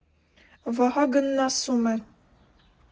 Վահագնն ասում է.